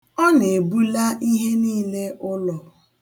Ọ na-ebula ihe niile ụlọ.